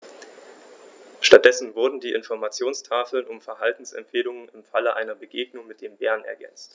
Stattdessen wurden die Informationstafeln um Verhaltensempfehlungen im Falle einer Begegnung mit dem Bären ergänzt.